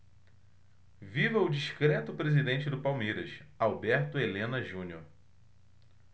viva o discreto presidente do palmeiras alberto helena junior